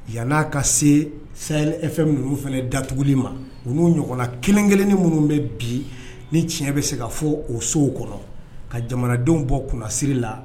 Yan n'a ka se sa efɛ ninnu fana datugu ma u'u ɲɔgɔnna kelen-kelen ni minnu bɛ bi ni tiɲɛ bɛ se ka fɔ o sow kɔnɔ ka jamanadenw bɔ kunnasiri la